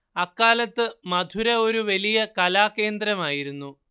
അക്കാലത്ത് മഥുര ഒരു വലിയ കലാകേന്ദ്രമായിരുന്നു